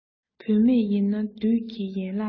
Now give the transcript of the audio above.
བུད མེད ཡིན ན བདུད ཀྱི ཡན ལག རེད